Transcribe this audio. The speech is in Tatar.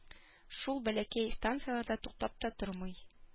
Шул бәләкәй станцияләрдә туктап та тормый.